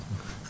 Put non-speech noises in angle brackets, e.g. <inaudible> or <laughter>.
<hesitation> <hesitation>